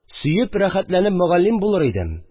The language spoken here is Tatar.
Сөеп, рәхәтләнеп мөгаллим булыр идем